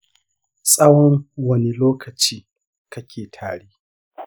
tsawon wane lokaci kake tari?